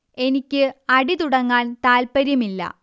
എനിക്ക് അടി തുടങ്ങാൻ താല്പര്യം ഇല്ല